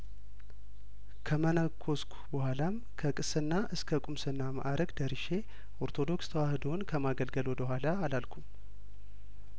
ከመነኮስ ኩ በኋላም ከቅስና እስከቁም ስና ማእረግ ደርሼ ኦርቶዶክስ ተዋህዶን ከማገልገል ወደ ኋላ አላልኩም